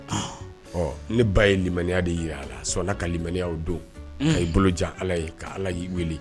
Ɔ ne ba ye miya de jira a la sɔn ala kalimiiniya don a' bolojan ala ye ka ala y'i weele